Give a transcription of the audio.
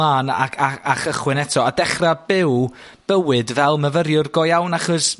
lân ac a a chychwyn eto, a dechra byw bywyd fel myfyriwr go iawn? Achos,